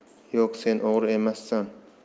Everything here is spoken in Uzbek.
yo'q sen o'g'ri emassan